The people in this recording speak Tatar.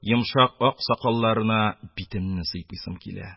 Йомшак ак сакалларына битемне сыйпыйсым килә.